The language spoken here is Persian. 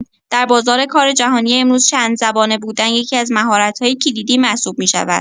در بازار کار جهانی امروز، چندزبانه بودن یکی‌از مهارت‌های کلیدی محسوب می‌شود.